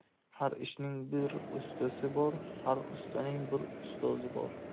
har ishning bir ustasi bor har ustaning bir ustozi bor